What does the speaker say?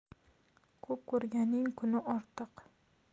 ko'p ko'rganning kuni ortiq